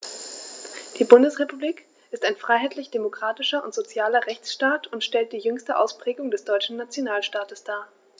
Die Bundesrepublik ist ein freiheitlich-demokratischer und sozialer Rechtsstaat und stellt die jüngste Ausprägung des deutschen Nationalstaates dar.